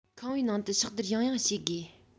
ཁང པའི ནང དུ ཕྱག བདར ཡང ཡང བྱེད དགོས